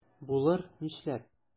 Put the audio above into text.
Булыр, нишләп?